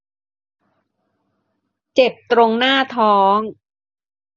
เจ็บตรงหน้าท้อง